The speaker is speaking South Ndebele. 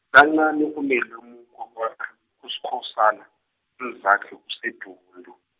kancani unelemuko bona, Uskhosana, umzakhe useBhundu.